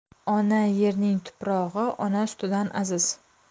ona yerning tuprog'i ona sutidan aziz